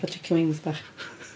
Fatha chicken wings bach.